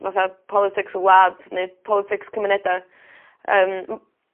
fatha politics y wlad ne' politics cumuneda. Ymm m-...